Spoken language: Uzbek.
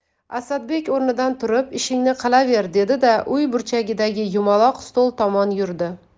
asadbek o'rnidan turib ishingni qilaver dedi da uy burchagidagi yumaloq stol tomon yurdi